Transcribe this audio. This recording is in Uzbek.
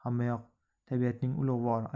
hammayoq tabiatning ulug'vor